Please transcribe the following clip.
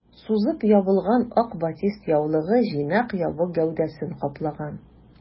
Сузып ябылган ак батист яулыгы җыйнак ябык гәүдәсен каплаган.